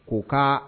O ka